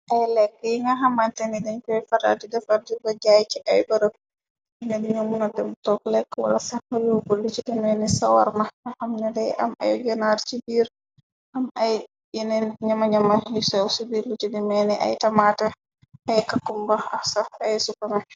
Ay lekk yi nga xamante ni dañ koy farar di defar dir bo jaay ci ay bërëb ina diñu munate bu tokk lekk wala saxayubullu ci dimeeni sa warma naxam ne tay am ay jonaar ci biir am ay yeneen ñama-ñama yi sow sibiir lu ci dimeeni ay tamaate ay kakumba asa ay sukame.